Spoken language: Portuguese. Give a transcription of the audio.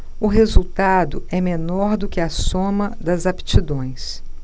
o resultado é menor do que a soma das aptidões